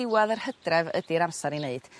diwadd yr Hydref ydi'r amsar i neud